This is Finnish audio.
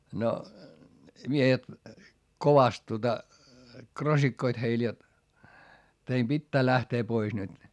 no miehet kovasti tuota krossikoivat heille jotta teidän pitää lähteä pois nyt